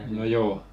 no joo